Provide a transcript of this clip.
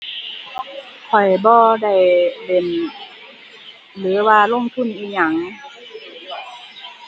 ข้อยบ่ได้เล่น หรือว่าลงทุนอิหยัง